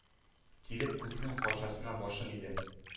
Килеп күкнең патшасына башын иде,